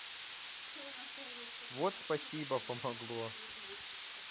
вот спасибо помогло